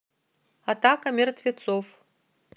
атака мертвецов